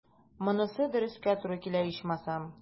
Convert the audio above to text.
Монысы дөрескә туры килә, ичмасам.